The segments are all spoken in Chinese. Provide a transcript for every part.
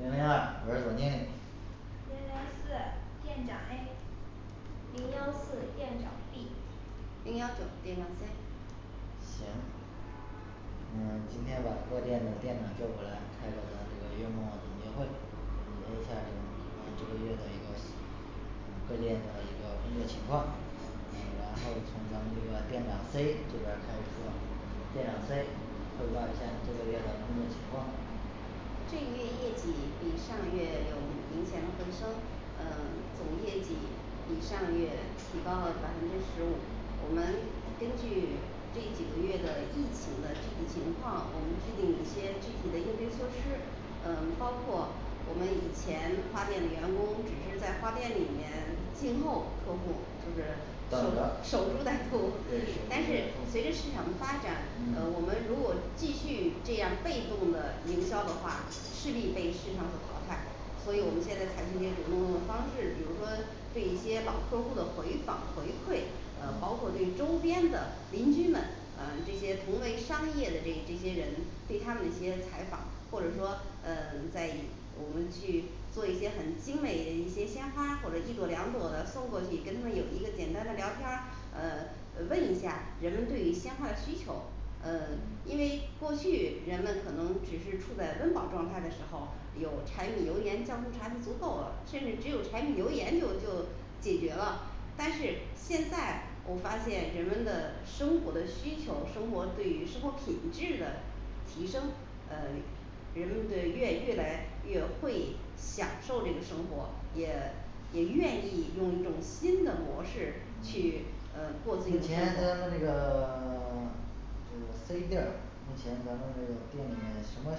零零二我是总经理零零四店长A 零幺四店长B 零幺九店长C 行。嗯今天把各店的店长叫过来，开个咱这个月末总结会。总结一下咱们这个月的一个嗯各店的一个工作情况嗯然后从咱们这个店长C这边儿开始说，店长C汇报一下你这个月的工作情况这个月业绩比上个月有明显的回升，嗯总业绩比上个月提高了百分之十五，我们根据这几个月的疫情的具体情况，我们制定一些具体的应对措施嗯包括我们以前花店的员工，只是在花店里面静候客户，就是等着守株待兔对，守株 但待是兔随着市场的发展，呃嗯我们如果继续这样被动的营销的话势必被市场所淘汰，所以我们现在采取一些主动方式，比如说对一些老客户儿的回访回馈，呃嗯包括对周边的邻居们嗯这些同为商业的这这些人对他们的一些采访，或者说嗯嗯在我们去做一些很精美一些鲜花，或者一朵两朵的送过去，跟他们有一个简单的聊天儿呃嗯问一下人们对于鲜花的需求，嗯因为过去人们可能只是处在温饱状态的时候，有柴米油盐酱醋茶就足够了，甚至只有柴米油盐就就解决了但是现在我发现人们的生活的需求，生活对于生活品质的提升呃人们对越越来越会享受这个生活，也也愿意用一种新的模式去嗯嗯五过这种年成生这活个 就C店儿目前咱们这个店里面什么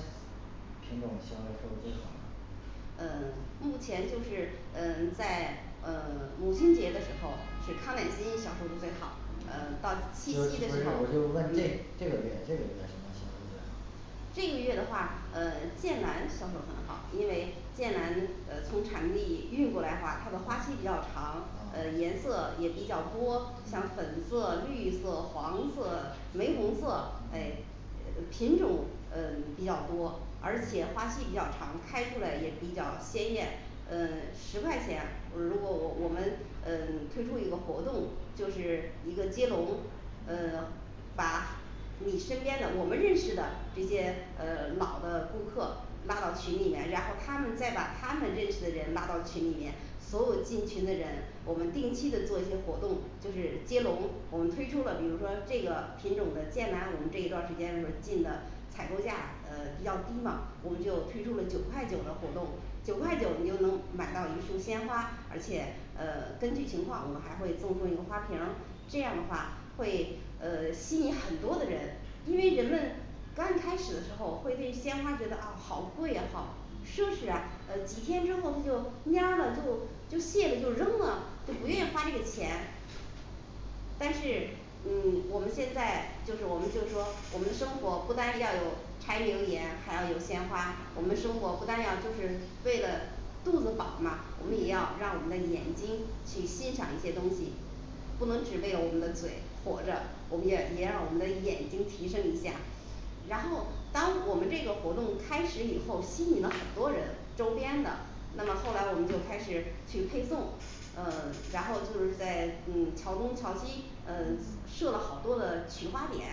品种相对售的最好呢嗯目前就是嗯在嗯母亲节的时候是康乃馨销售的最好，呃到七就夕的不时是候我就问这这个月这个月什么销售最好这个月的话嗯剑兰销售很好，因为剑兰呃从产地运过来的话，它的花期比较长，呃嗯颜色也比较多，像嗯粉色、绿色、黄色、眉红色哎嗯呃品种嗯比较多，而且花期比较长，开出来也比较鲜艳嗯十块钱，如果我我们嗯推出一个活动就是一个接龙嗯呃把你身边的我们认识的这些呃老的顾客拉到群里面，然后他们再把他们认识的人拉到群里面所有进群的人我们定期的做一些活动，就是接龙我们推出了比如说这个品种的剑兰我们这一段儿时间就是进的采购价比较低嘛，我们嗯就推出了九块九的活动九块九你就能买到一束鲜花，而且呃根据情况我们还会赠送一个花瓶儿，这样的话会呃吸引很多的人因为人嗯们刚开始的时候会对鲜花觉得啊好贵也好嗯奢侈啊，呃几天之后他就蔫儿了就就谢了，就扔了就不愿意嗯花这个钱但是嗯我们现在就是我们就是说我们的生活不单要有柴米油盐，还要有鲜花，我们的生活不单要就是为了肚子饱嘛，我们也要嗯让我们的眼睛去欣赏一些东西不能只为了我们的嘴活着，我们也也让我们的眼睛提升一下然后当我们这个活动开始以后吸引了很多人周边的，那么后来我们就开始去配送嗯然后就是在嗯桥东桥西呃嗯设了好多的取花点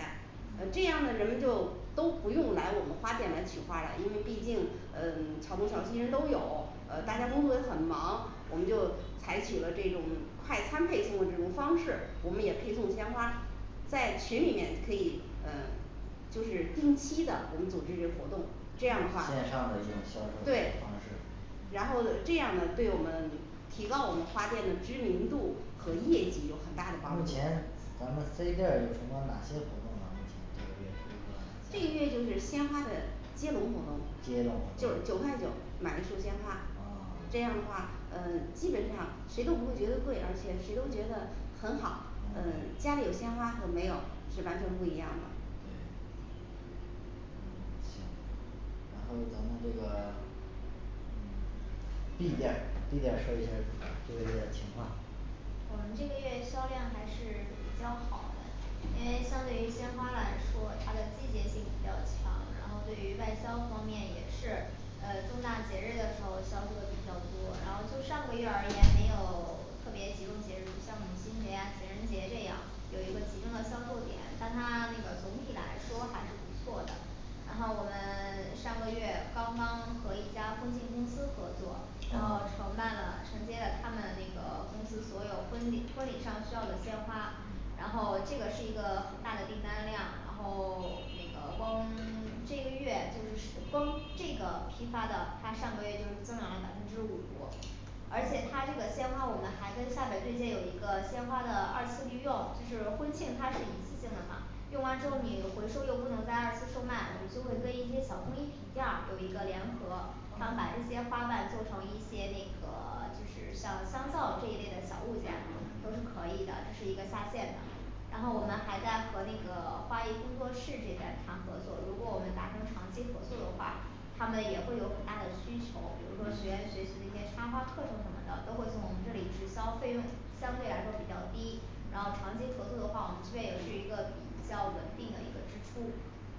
呃这嗯样呢人们就都不用来我们花店来取花了，因为毕竟嗯桥东桥西人都有，呃大家嗯工作也很忙，我们就采取了这种快餐配送的这种方式，我们也配送鲜花在群里面可以嗯就是定期的我们组织这活动嗯，这线样的话对上的一种销售这个方式嗯然后的 这样呢对我们提高我们花店的知名度和业绩有很大的目帮助前咱们C店儿有什么哪些活动呢目前这个月今天，这个月就是鲜花的接龙活动，接龙就是九活动块九买一束鲜花，嗯这样的话呃基本上谁都不会觉得贵，而且谁都觉得很好，呃嗯家里有鲜花和没有是完全不一样的对嗯行。然后咱们这个嗯B店儿B店儿说一下儿这个月的情况我们这个月销量还是比较好的，因为相对于鲜花来说，它的季节性比较强，然后对于外销方面也是呃重大节日的时候销售的比较多，然后就上个月而言没有特别集中节日，不像母亲节呀情人节这样有一个集中的销售点，但它那个总体来说还是不错的然后我们 上个月刚刚和一家婚庆公司合作然后嗯承办了承接了他们那个公司所有婚礼婚礼上需要的鲜花，嗯然后这个是一个很大的订单量，然后 那个光 这个月就是是 光这个批发的它上个月就是增长了百分之五而且嗯它这个鲜花我们还跟下边儿对接，有一个鲜花的二次利用，就是婚庆它是一次性的嘛，用完之后嗯你回收又不能在二次售卖，我们就会跟嗯一些小工艺品店儿有一个联合他们把这嗯些花瓣做成一些那个 就是像香皂这一类的小物件都是嗯可以的，这是一个下线的。然后我们还在和那个花艺工作室这边谈合作，如果我们嗯达成长期合作的话他们也会有很大的需求，比如说嗯学员学习的一些插花课程什么的，都会从我们这嗯里直销费用相对来说比较低，然后嗯长期合作的话，我们这边也是一个比较稳定的一个支出，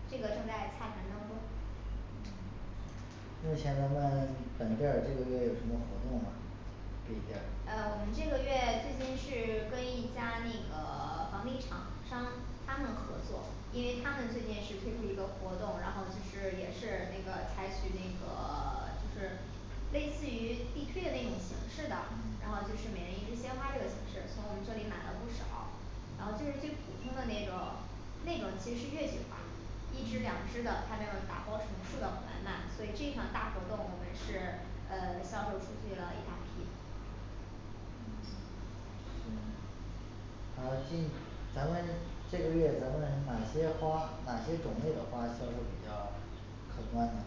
这个正在洽谈当中嗯目前咱们本店儿这个月有什么活动吗 B店儿啊我们这个月最近是跟一家那个房地厂商他们合作，因为嗯他们最近是推出一个活动，然后就是也是那个采取那个 就是类似于地推的那种形式的，然嗯后就是每人一支鲜花这个形式从我们这里买了不少。然后就是最普通的那个那个其实是月季花儿一支两嗯支的，他那种打包成束的来卖，所以这一场大活动我们是呃销售出去了一大批嗯啊呃近咱们这个月咱们哪些花哪些种类的花销售比较可观呢？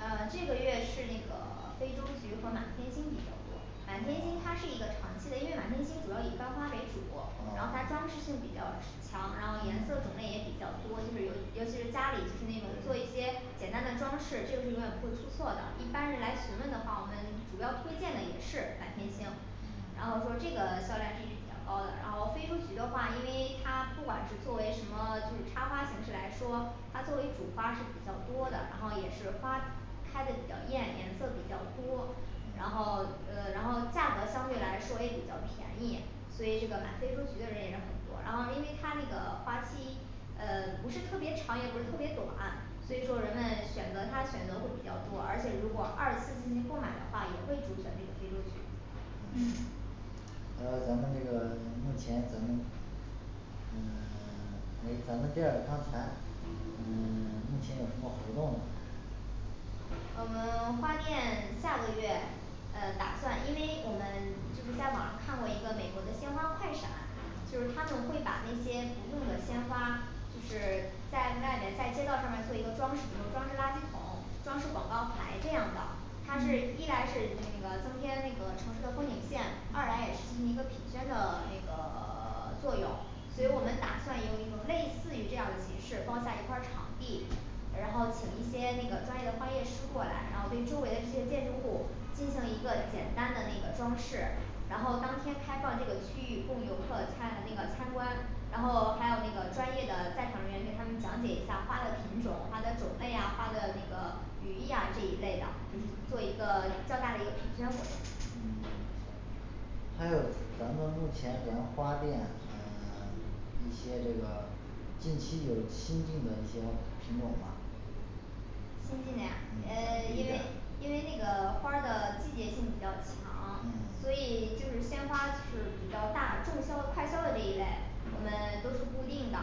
啊这个月是那个非洲菊和满天星比较多，满天嗯星它是一个长期的，因为满天星主要以干花为主，然后它啊装饰性比较强，然后颜嗯色种类也比较多，就是有尤其是家里就是那种做一对些简单的装饰，这个是永远不会出错的。一般人来询问的话，我们主要推荐的也是满天星嗯然后说这个销量性是比较高的，然后非洲菊的话，因为它不管是作为什么就是插花形式来说，它作为主花是比较多的，然后也是花开得比较艳，颜色比较多然嗯后呃然后价格相对来说也比较便宜，所以这个买非洲菊的人也是很多，然后因为他那个花期呃不是特别长也不是特别短，所以说人们选择他选择会比较多，而且如果嗯二次进行购买的话，也会主选这个非洲菊嗯还有咱们这个目前咱们嗯 诶咱们店儿刚才嗯 目前有什么活动呢嗯 花店下个月呃打算，因为我们就是在网上看过一个美国的鲜花快闪，嗯就是他们会把那些不用的鲜花就是在外围在街道上面做一个装饰，比如装饰垃圾桶、装饰广告牌这样的他是一来是那个增添那个城市的风景线，二来也是嗯进行一个品宣的那个 作用，所以我们嗯打算用一种类似于这样的形式包下一块儿场地然后请一些那个专业的花业师过来，然后对周围的这些建筑物进行一个简单那个的装饰然后当天开放这个区域供游客参那个参观，然后还有那个专业的在场人员给他们讲解一下花的品种，花的种类呀花的那个语义呀这一类的就是做一个较大的一个评选委嗯 还有咱们目前咱花店嗯 一些这个近期有新进的一些品种吗新进的呀嗯呃因为因为那个花儿的季节性比较强嗯，所以就是鲜花是比较大众销快销的这一类我们都是固定的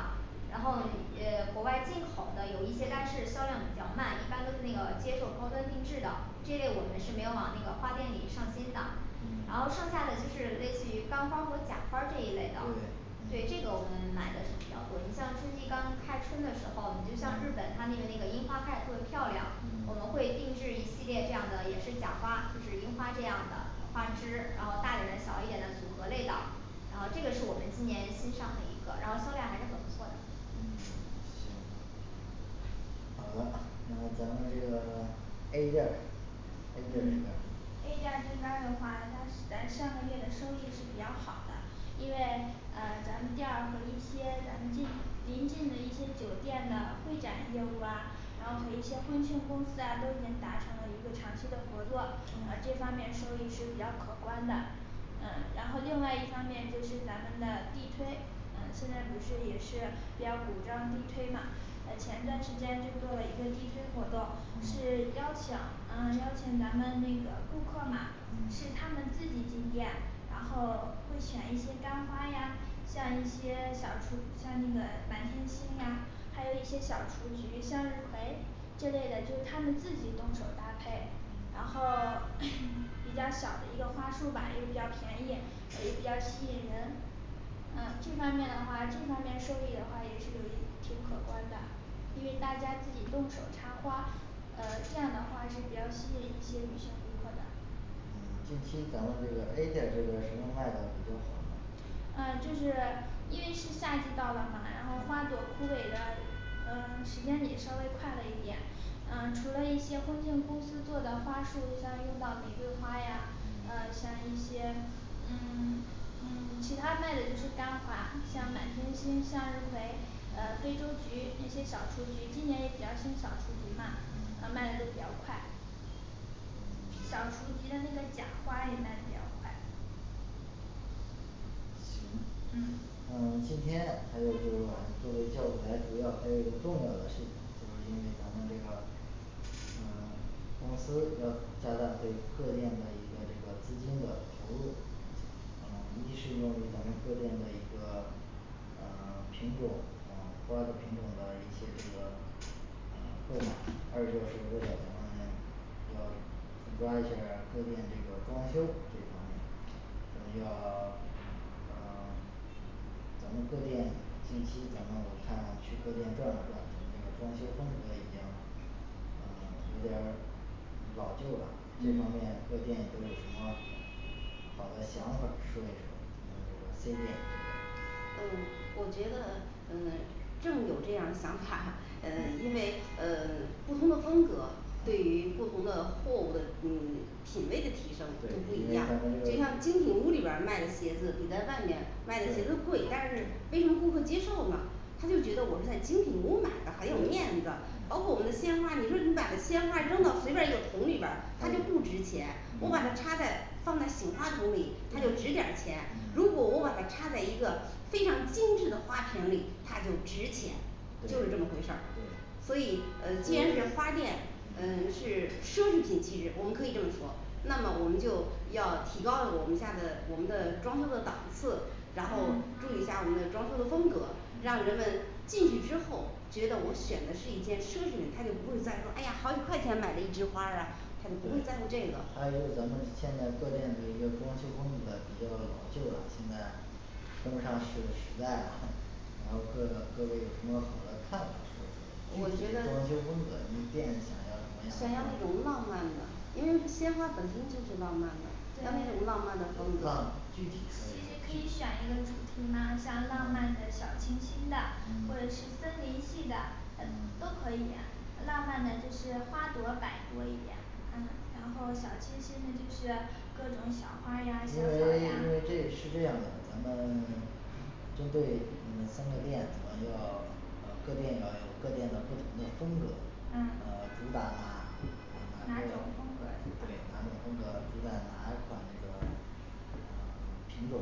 然后也国外进口的有一些，但是销量较慢，一般都是那个接受高端定制的，这类我们是没有往那个花店里上新的然嗯后剩下的就是类似于干花儿和假花儿这一类的，对对这个我们买的是比较多，你像春季刚开春的时候，你就像日本嗯它那个那个樱花开得特别漂亮，我们嗯会定制一系列这样的也是假花，就是樱花这样的花嗯枝，然后大点儿的小一点的组合类的，然后这个是我们今年新上的一个，然后销量还是很不错的嗯行好的，那咱们这个A店儿A 店儿这边儿嗯 A店儿这边儿的话，它咱上个月的收益是比较好的因为呃咱们店儿和一些咱们近邻近的酒店的会展业务啊，然后和一些婚庆公司啊这都已经达成了一个长期的合作，我们嗯这方面收益是比较可观的嗯然后另外一方面就是咱们的地推，嗯现在不是也是比较主张地推嘛，呃前段时间就做了一个地推活动，嗯是邀请嗯邀请咱们这个顾客嘛是嗯他们自己进店然后会选一些干花呀，像一些小雏，像那个满天星呀，还有一些小雏菊，向日葵之类的，就是他们自己动手搭配，然嗯后 比较小的一个花束吧也比较便宜，呃也比较吸引人，嗯这方面的话这方面收益的话也是有挺可观的因为大嗯家自己动手插花，呃这样的话是比较吸引一些女性顾客的嗯近期咱们这个A店儿这个什么卖的比较好呢嗯就是因为是夏季到了嘛，然后花朵枯萎的嗯时间也稍微快了一点嗯除了一些婚庆公司做的花束，像月光玫瑰花呀，呃嗯像一些嗯 嗯其他卖的就干花，就像满嗯天星、向日葵、呃嗯非洲菊一些小雏菊今年也比较兴小雏菊嘛他嗯卖的都比较快小嗯 雏菊的那个假花也卖的比较快行嗯嗯今天还有就是把咱们各位叫过来主要还有一个重要的事情，就是因为咱们这个呃公司要加大对各店的一个这个资金的投入嗯一是用于咱们各店的一个嗯品种嗯花的品种的一些这个嗯购买。二就是为了咱们要主抓一下儿各店这个装修这方面可能要嗯咱们各店近期咱们我看去各店转了转，咱们这个装修风格一样的嗯有点儿老旧了这方嗯面各店都有什么好的想法儿，说一说嗯这个C店这边儿。嗯我觉得嗯正有这样儿想法， 呃因为呃不同的风格对于不同的货物的嗯品位的提升就对，不一样，就没像咱这个精品屋里边儿卖的鞋子比在外面卖的鞋子对贵，但是为什么顾客接受呢他就觉得我是在精品屋买的很有面子对，包括我们的鲜花，你说你把它鲜花扔到随便儿一个桶里边儿，它就不嗯值钱，我把它嗯插在放在醒花桶里，他就嗯值点儿钱，如嗯果我把它插在一个非常精致的花瓶儿里，他就值钱就对是这么回事儿对。所以呃既然是花店嗯呃是奢侈品气质，我们可以这么说那么我们就要提高了我们家的我们的装修的档次，然后嗯注意一下我们的装修的风格，让人们进去之后觉得我选的是一件奢侈品，他就不会再说哎呀好几块钱买的一枝花儿啊他就不会在乎这个呃还有就是咱们现在各店的一个装修风格比较老旧了，现在跟不上时时代了 然后各各位有什么好的看法说出来我具觉得体装修风格店想要什想么要样那种浪漫的，因为鲜花本身就是浪漫的，要那种对浪漫的风那格具体说其实可一以说具选一个主题嘛，像浪漫的小清新的或者是嗯森林系的等都嗯可以呀浪漫的就是花朵摆多一点，嗯然后小清新的就是各种小花呀小因草为呀，因为这是这样的，咱们针对你们三个店咱们要嗯各店要有各店的不同的风格，呃嗯主打哪哪种风格儿是对吗哪种风格主打那款这个呃品种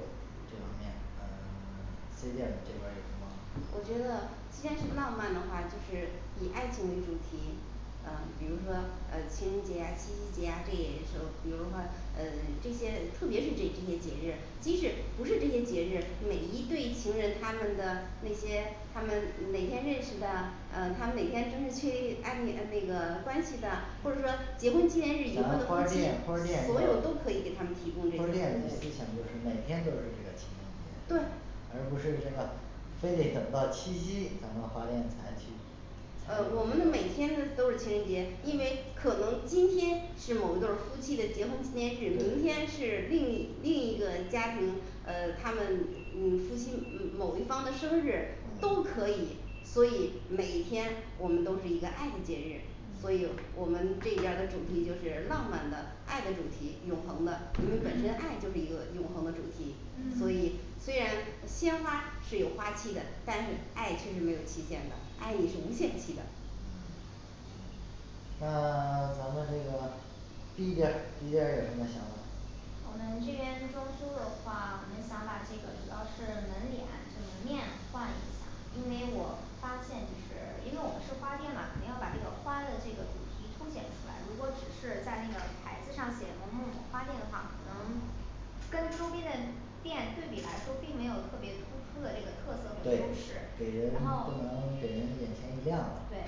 这方面嗯 C店你这边儿有什么我觉得既然是浪漫的话，就是以爱情为主题嗯比如说呃情人节呀、七夕节呀，这也是说比如说呃这些特别是这这些节日，即使不是这些节日，每一对情人他们的那些他们哪天认识的，呃他们哪天就是确立暧昧呃那个关系的，或者说结婚纪念日已婚咱的花夫儿妻店花儿，店所有的都可以给他们提供这个花儿，店的思想就是每天都是这个情人节对而不是这个非得等到七夕咱们花店才去。呃我们的每天的都是情人节，因为可能今天是某一对儿夫妻的结婚纪念日，对明天啊是另一另一个家庭，呃他们嗯夫妻嗯某一方的生日嗯都可以所以每一天我们都是一个爱的节日所嗯以我们这边儿的主题就是浪漫的、爱的主题永恒的，因为本身爱就是一个永恒的主题所以嗯嗯虽然鲜花是有花期的，但是爱却是没有期限的，爱你是无限期的嗯嗯那 咱们这个B店儿B店儿有什么想法我们这边装修的话，我们想把这个主要是门脸门面换一下，因为嗯我发现就是因为我们是花店嘛我们要把这个花的这个主题凸显出来，如果只是在那个牌子上写某某某的花店的话，可能跟周边的店对比来说，并没有特别突出的这个特色和优对势，然后，给人不然后能给人眼前一亮吧对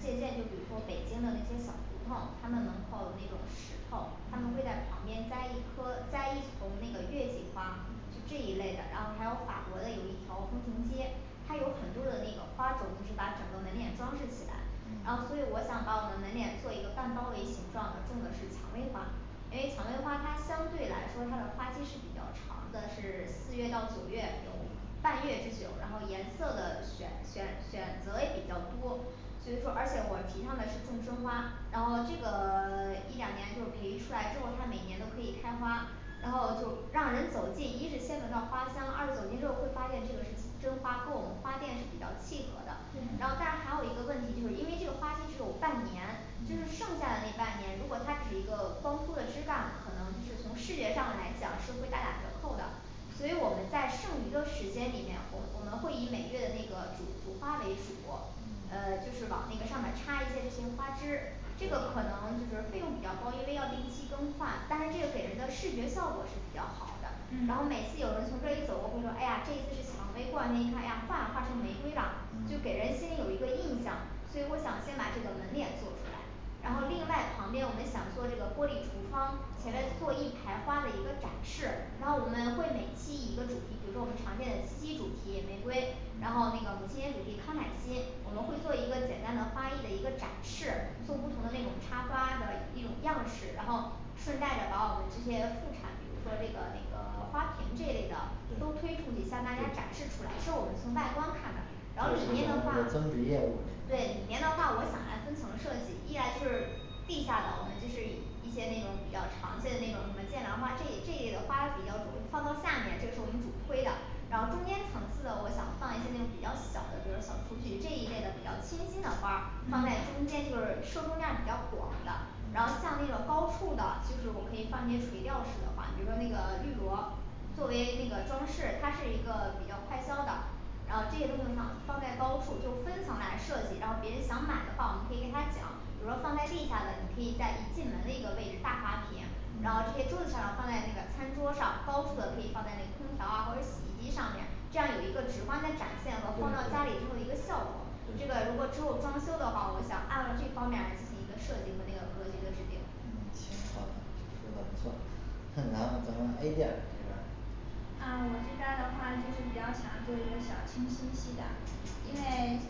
借鉴就比如说北京的那些小胡同，他们门口那种石头，他们会在旁嗯边栽一棵栽一丛那个月季花，就这嗯一类的。 然后还有法国的有一条风情街它有很多的那个花种就是把整个门脸装饰起来，嗯然后所以我想把我们门脸做一个半包围，形状的种的是蔷薇花因为蔷薇花它相对来说它的花期是比较长的，是四月到九月有嗯半月之久，然后颜色的选选选择也比较多所以说而且我提倡的是种真花，然后这个 一两年就培育出来之后，它每年都可以开花然后就让人走进，一是先闻到花香，二走近之后会发现这个是真花跟我们花店是比较契合的，然后大家嗯还有一个问题就是因为这个花期只有半年，就是剩嗯下的那半年如果他只是一个光秃的枝干，可能就是从视觉上来讲是会大打折扣的所以我们在剩余的时间里面，我我们会以每月的那个主主花为主，嗯呃就是往那个上面插一这些花枝这个可能就是费用比较高，因为要定期更换，但是这个给人的视觉效果是比较好的嗯，然后每次嗯有人从这一走过，会说哎呀这一次是蔷薇，过两天一看哎呀换了换成玫瑰啦，就给人嗯先有一个印象，所以我想先把这个门脸做出来然后另外嗯旁边我们想做这个玻璃橱窗，前面做一嗯排花的一个展示，然后我们会每期一个主题，比如说我们常见的七夕主题玫瑰然后那嗯个母亲节主题康乃馨，我们会做一个简单的花艺的一个展示，做不同的那种插花的一种样式，然后顺带着把我们这些副产比如说这个这个花瓶这类的都对推出去向大家展对示出来，这我们从外观看的这是咱们然后里面的话的增值业务这个对方里面面的话我想来分层设计，一来就是地下的我们就是一些那种比较常见的那种什么剑兰花这这一类的花比较重放到下面，这是我们主推的然后中间层次的我想放一些那种比较小的比如说小雏菊这一类的比较清新的花儿放嗯在中间，就是受众面儿比较广的，然嗯后像那种高处的，就是我可以放一些垂钓式的花，比如说那个绿萝作为那个装饰，它是一个比较快销的，然后这些东西的话放在高处就分层来设计，然后别人想买的话我们可以给他讲比如说放在地下的，你可以在一进门的一个位置大花瓶，然后这嗯些桌子上放在那个餐桌上，高处的嗯可以放在那空调啊或者洗衣机上面这样有一个直观的展现和放到对家里之对后一个效果，这个如果之后装修的话，我就想按照这方面儿进行一个设计和那个格局的制定。嗯行好的说的不错 然后咱们A店儿有啥嗯我这边儿的话就是比较想做一个小清新系的，因为嗯是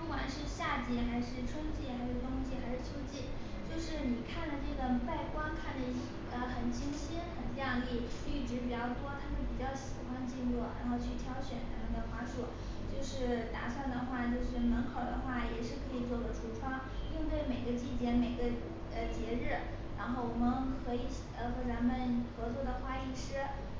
不管是夏季还是春季还是冬季还是秋季，就嗯是你看的那个外观看的一呃很清新很靓丽，绿植比较多，他就比较喜欢进入，然后去挑选咱们的花束就嗯是打算的话就是门口的话也是可以做个橱窗，应对每个季节每个呃节日，然后我们可以呃和咱们合作的花艺师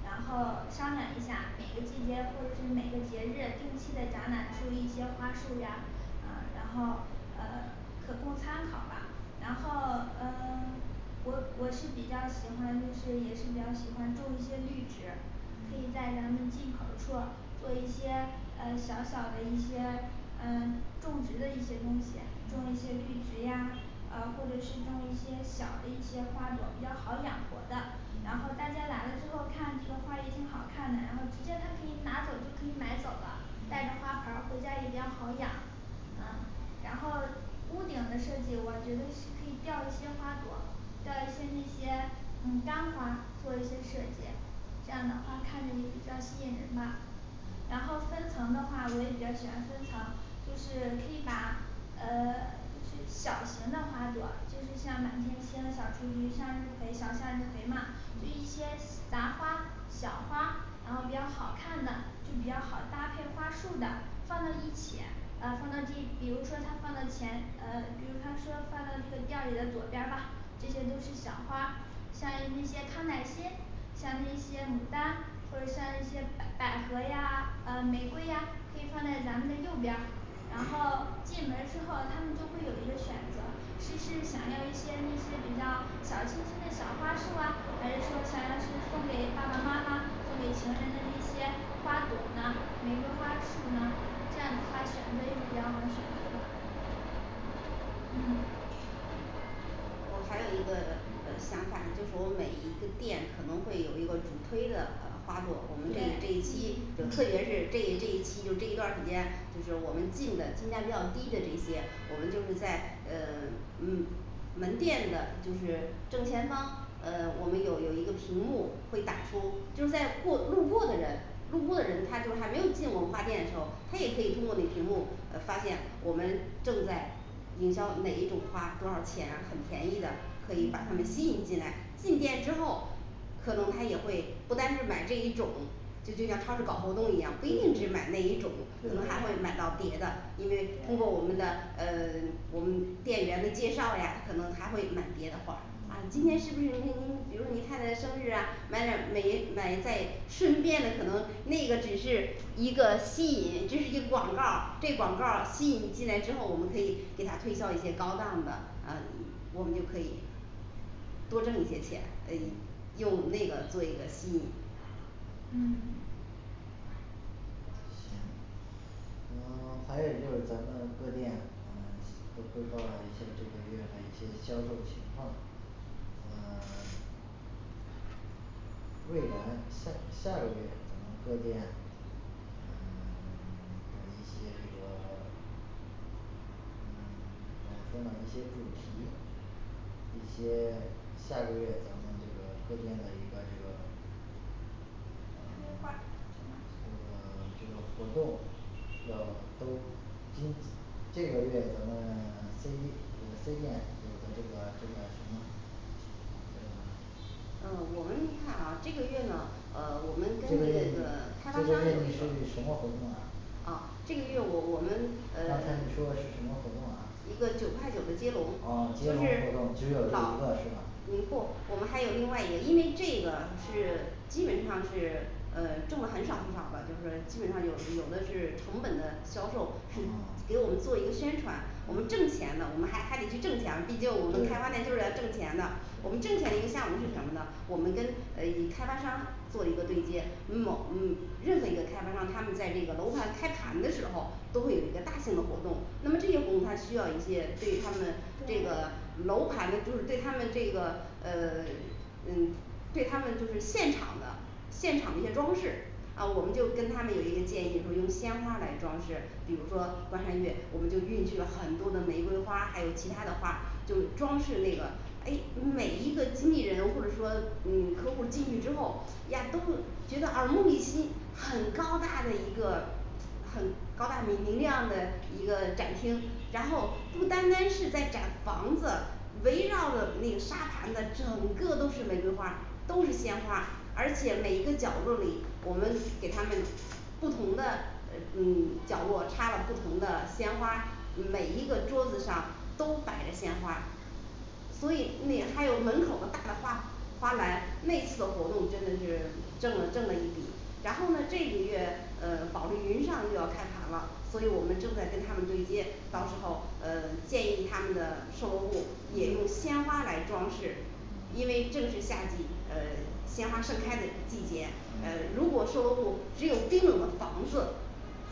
然后商量一下每个季节或者是每个节日定期的展览出一些花束呀啊然后呃可供参考吧，然后呃 我我是比较喜欢就是也是比较喜欢种一些绿植嗯可以在咱们进口处做一些呃小小的一些嗯种植的一些东西，种一嗯些绿植呀呃或者是种一些小的一些花朵比较好养活的，然后嗯大家来了之后看这个花也挺好看的，然后直接它可以拿走就可以买走了，带着嗯花盒儿回家也比较好养。嗯嗯然后屋顶的设计我觉得是可以吊一些花朵，吊嗯一些那些嗯干花做一些设计，这样的话看着也比较吸引人吧然后分层的话我也比较喜欢分层，就是可以把呃就是小型的花朵，就是像满天星、小雏菊、向日葵、小向日葵嘛就一些杂花小花，然后比较好看的就嗯比较好搭配花束的放在一起呃放到地比如他说放到前呃比如他说放到这个店儿里的左边儿吧，这些都是小花，像一那些康乃馨像那些牡丹或者像一些百百合呀啊玫瑰呀可以放在咱们的右边儿。然后进门儿之后他们就会有一个选择其实想要一些那些比较小清新的小花束啊，还是说想要去送给爸爸妈妈送给情人的那些花朵呢玫瑰花束呢，这样子他选择也是比较好选择的我还有一个呃想法，就是我每一个店可能会有一个主推的呃花朵，我们这一这对一期嗯就特别是这一这一期就是这一段儿时间，就是我们进的进价比较低的这些，我们就是在呃 嗯门店的就是正前方，呃我们有有一个屏幕会打出就是在过路过的人路过的人他就还没有进我们花店的时候，他也可以通过那屏幕呃发现我们正在营销哪一种花多少钱很便宜的可以嗯把他们吸 引进来进店之后可能他也会不单是买这一种就就像超市搞活动一样，不一定只买那一种，可对能还会呀买到别的，因为通过我们的呃 我们店员的介绍呀可能还会买别的花儿啊今天嗯是不是嗯您您比如您太太生日啊买点儿美，买在顺便的可能那个只是一个吸引，这是一个广告儿，这广告儿吸引进来之后，我们可以给他推销一些高档的，呃我们就可以多挣一些钱，诶嗯用那个做一个吸引嗯嗯行嗯还有就是咱们各店嗯都汇报了一下儿这个月的一些销售情况，呃未来下下个月咱们各店嗯 的一些这个 嗯 怎么说呢一些主题一些下个月咱们这个各店的一个这个嗯规 划这个 这个活动要都今这个月咱们 C就是C店有个这个这个什么这个嗯我们看啊这个月呢呃我们根这个据月那个开发这个月是什商么活动啊啊这个月我我们刚呃才你说的是什么活动啊一个九块九的接龙啊接就龙活动只是有这一老个是吗嗯不，我们还有另外一个，因为这个是基本上是呃挣了很少很少的，就说基本上有有的是成本的销售是啊给我们做一个宣传，我们挣钱的我们还还得去挣钱，毕竟我们开对花店就是要挣钱的我们挣钱的一个项目是什么呢？我们跟呃一开发商做了一个对接，嗯某嗯任何一个开发商他们在这个楼盘开盘的时候都会有一个大型的活动，那么这些活动它需要一些对他们这个对楼盘的就是对他们这个呃 嗯对他们就是现场的现场的一些装饰，啊我们就跟他们有一个建议说用鲜花来装饰，比如说观察月我们就运去了很多的玫瑰花，还有其他的花就装饰那个诶每一个经纪人，或者说嗯客户儿进去之后呀都觉得耳目一新很高大的一个很高大明亮的一个展厅，然后不单单是在展房子，围绕着那个沙盘的整个都是玫瑰花，都是鲜花，而且每一个角落里，我们给他们不同的呃嗯角落插了不同的鲜花，每一个桌子上都摆着鲜花所以那还有门口的大的花花篮，那次的活动真的是挣了挣了一笔，然后呢这个月呃保利云上又要开盘了，所以我们正在跟他们对接，到时候呃建议他们的售楼部也用嗯鲜花来装饰。嗯因为正是夏季呃鲜花盛开的季节，呃嗯如果售楼部只有冰冷的房子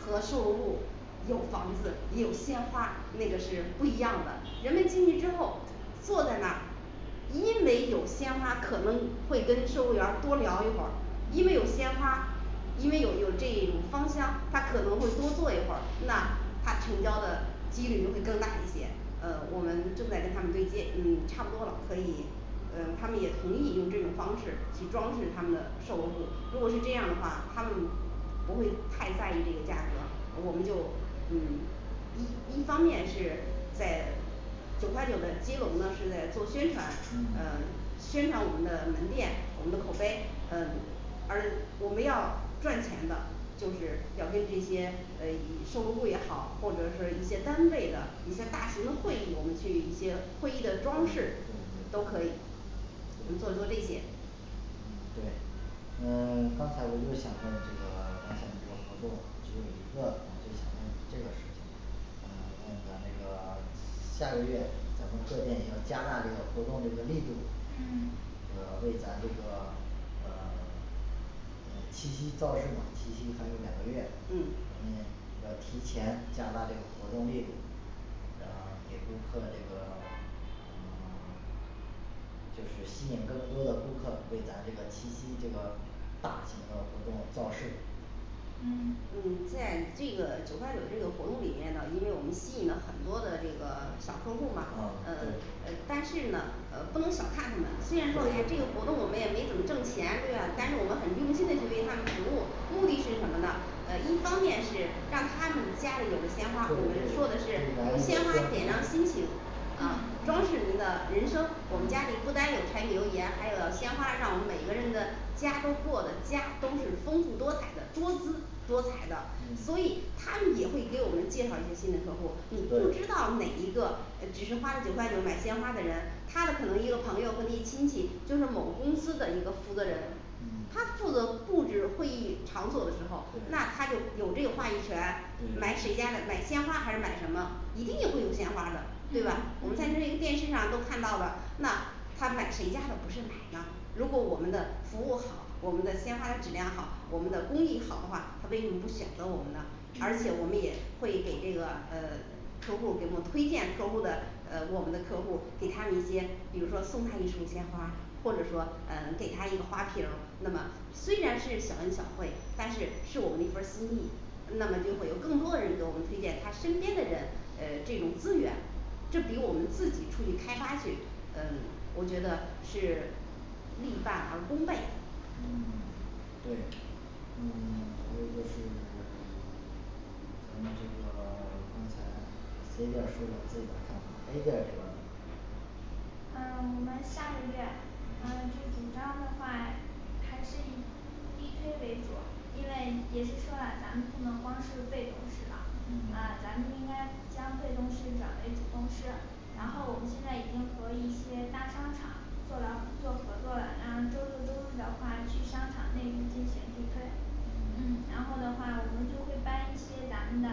和售楼部有房子，也有鲜花，那个是不一样的。人们进去之后坐在那儿，因为有鲜花可能会跟售货员儿多聊一会儿，因为有嗯鲜花因为有有这种芳香，他可能会多做一会儿，那嗯他成交的几率就会更大一些呃我们正在跟他们对接嗯差不多了，可以。呃他们也同意用这种方式去装饰它们的售楼部，如果是这样的话，他们不会太在意这个价格，我们就嗯一一方面是在九块九的接种呢是在做宣传嗯嗯宣传我们的门店，我们的口碑呃而我们要赚钱的就是要跟这些呃以售楼部也好，或者是一些单位的一些大型的会议，我们去一些会议的嗯这方装饰都可面以我们做做这些嗯对嗯 刚才我就想问这个咱们这个合作只有一个，我就想问这个事情，想问咱这个下个月咱们各店也要加大这个活动的一个力度嗯呃为咱这个呃嗯七夕造势嘛，七夕还有两个月，咱嗯们要提前加大这个活动力度，然后给顾客这个嗯 就是吸引更多的顾客为咱这个七夕这个大型的活动造势嗯嗯在这个九块九这个活动里面呢，因为我们吸引了很多的这个小客户嘛，嗯呃对诶但是呢呃不能小看他们，虽然说哎呀这个活动我们也没怎么挣钱对吧，但是我们很用心的去为他们服务，目的是什么呢呃一方面是让他们家里有了鲜花，对对对用咱们我们说的是的用鲜鲜花点亮心情花啊嗯装饰您的人生，我们家里不单有柴米油盐，还有鲜花，让我们每个人的家都过的家都是丰富多彩的多姿多彩的，所嗯以他们也会给我们介绍一些新的客户儿，你不知对道哪一个呃只是花了九块九买鲜花的人他的可能一个朋友和你亲戚就是某公司的一个负责人，嗯他负责布置会议场所的时候，那对他就有这个话语权，买对谁家的买鲜花还是买什么，一定也会有鲜花的对吧？嗯我们在那个电视上都看到的，那他买谁家的不是买呢，如果我们的服务好，我们的鲜花的质量好，我们的工艺好的话，他为什么不选择我们呢，嗯而且我们也会给这个呃客户儿给我推荐客户儿的呃我们的客户儿给他们一些比如说送他一束鲜花，或者说呃给他一个花瓶儿，那么虽然是小恩小惠，但是是我们的一份儿心意，那么就会有更多人给我们推荐他身边的人呃这种资源这比我们自己出去开发去，呃我觉得是力半而功倍嗯 对嗯 还有就是 咱们这个 刚才C店儿说的非常赞同A店儿这边儿呢嗯我们下个月嗯这个主张的话还是以地推为主，因为也是说了咱们不能光是被动势了，啊嗯咱们应该将被动势转为主动势然后我们嗯现在已经和一些大商场做了做合作了，然后周六周日的话去商场内地点进行地推，嗯嗯然后的话我们就会搬一些咱们的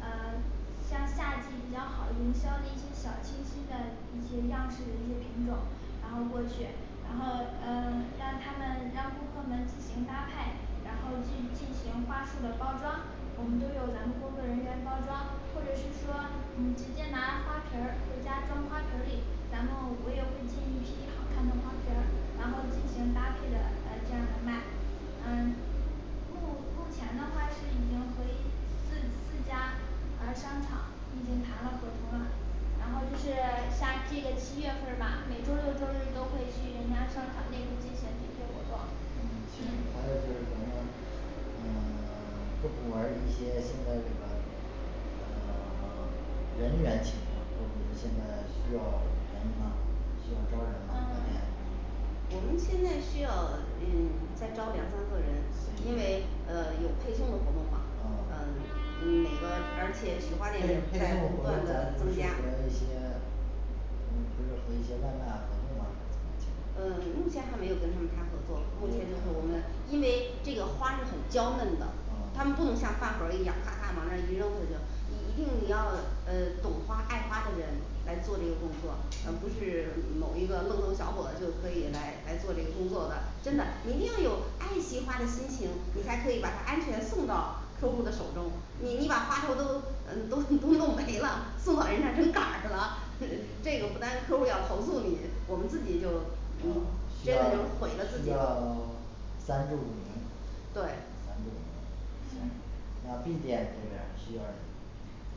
呃像夏季比较好营销的一些小清新的一些样式的一些品种然后过去然后呃让他们让顾客们自行搭配，然后去进行花束的包装。我们都有咱们工作人员包装，或者是说你直接拿花瓶儿回家装花瓶儿里，然后我也会进一批好看的花瓶儿，然后进行搭配的呃这样的卖嗯目目前的话是已经和一四四家呃商场已经谈嗯了合同了然后就是夏季的七月份儿吧每周六周日都会去人家商场内部进行地推活动还有就是咱们嗯 各部门儿一些现在这个嗯 人员情况，我们现在需要人吗需要招人吗边嗯我们现在需要呃再招两三个人，因为行呃有配送的活动嘛，呃啊嗯每个而且取配配送活动花店也在不断的咱不增是加和一些嗯不是和一些外卖合作吗嗯目前还没有跟他们谈合作，目没前就有是谈我们合作因为这个花是很娇嫩的，啊他们不能像饭盒儿一样咔咔往那一扔，他就一一定你要呃懂花爱花的人来做这个工作，而不嗯是某一个愣头小伙子就可以来来做这个工作的真的你一定要有爱惜花的心情，你才可以把它安全送到客户的手中，你你把花头都都嗯都都弄没了， 送到人家成杆儿了， 这嗯个不单客户儿要投诉你，我们自己就是吗嗯需真要的就是毁自己需了要 三至五名三至五名行嗯那B店这边儿需要人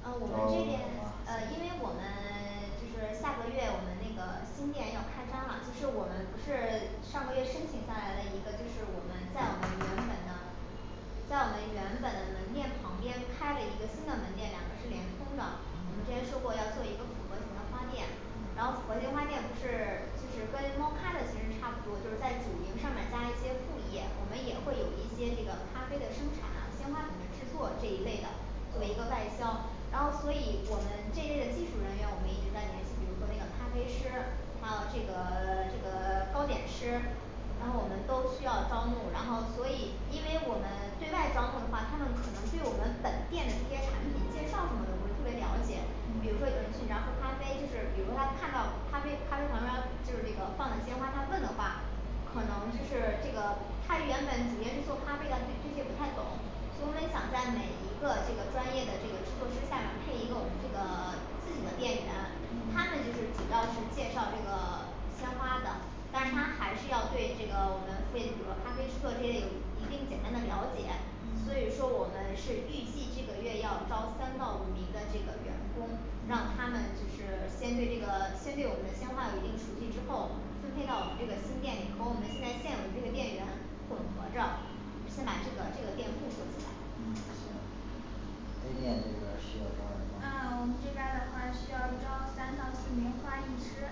啊我们这边啊呃因为我们 就是下个月我们那个新店要开张了，就是我们不是上个月申请下来了，一个就是我们在我们原本的在我们原本的门店旁边开了一个新的门店，两个是联通的，我们之前说嗯过要做一个复合型的花店然后复合型花店不是就是跟猫咖的形式差不多就是在主营上面儿加一些副业，我们也会有一些这个咖啡的生产啊，鲜花品的制作这一类的做为一个外嗯销然后所以我们这类的技术人员我们一直在联系，比如说那个咖啡师，还有这个 这个 糕点师然后我嗯们都需要招募，然后所以因为我们对外招聘的话，他们可能对我们本店的这些产品介绍什么的不是特别了解比如说有人嗯去你那喝咖啡，就是比如说他看到咖啡咖啡旁边儿就是这个放的鲜花，他问的话可能就是这个他原本主业是做咖啡的，对这些不太懂原本想在每一个这个专业的这个制作师下面儿配一个我们这个自己的店员，他们嗯就是主要是介绍这个鲜花的但是他还是要对这个我们会比如说咖啡制作这些有一定简单的了解，所以说嗯我们是预计这个月要招三到五名的这个员工，让他嗯们就是先对这个先对我们的鲜花有一定熟悉之后分配到我们这个新店里，和我们现在现有的这个店员混合着，先把这个这个店铺做起来嗯行 A店这边儿需要招嗯我人吗，们这边儿的话需要招三到四名花艺师，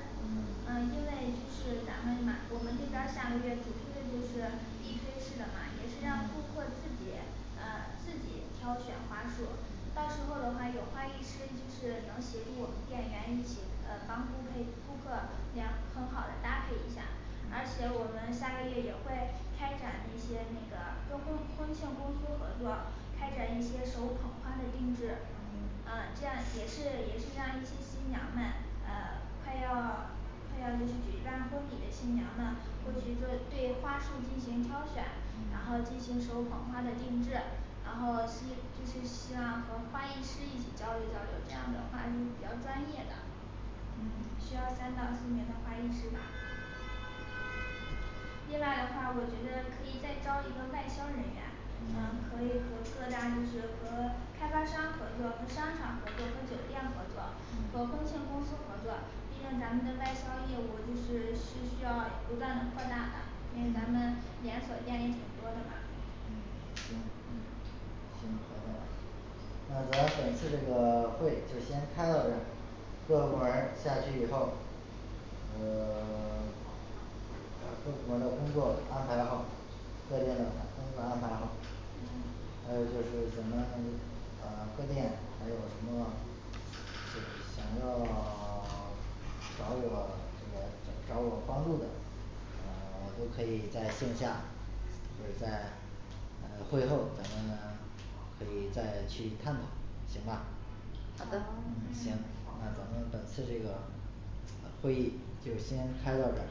嗯嗯因为就是咱们嘛我们这边儿下个月主推的就是地推式的嘛，也是让顾嗯客自己呃自己挑选花束，到时候的话有花艺师就是能协助我们店员一起呃帮顾顾顾客这样很好的搭配一下嗯而且我们下个月也会开展那些那个跟婚婚庆公司合作开展一些手捧花的定制，嗯嗯这样也是也是让一些新娘们呃快要快要就是举办婚礼的新娘们会去做嗯对花束进行挑选，然后进嗯行手捧花的定制然后希就是希望和花艺师一起交流交流，这样的话就是比较专业的。嗯需要三到四名的花艺师吧另外的话我觉得可以再招一个外销人员，呃可以和各大就是和开发商合作和商场合作和酒店合作和嗯婚庆公司合作，毕竟咱们的外销业务就是是需要不断的扩大的因为咱们连锁店也挺多的嘛嗯嗯嗯行好的。那咱本次这个 会就先开到这儿。各部门儿下去以后呃 各部门儿的工作安排好。各店的把工作安排好，嗯还有就是咱们就是呃各店还有什么就是想要 找我这个想找我帮助的，呃我们都可以在线下，不是在呃会后咱们可以再去探讨行吧？好好的的恩嗯行那咱们本次这个会议就先开到这儿。